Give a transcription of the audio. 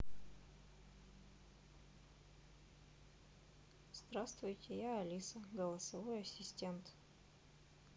здравствуйте я алиса голосовой ассистент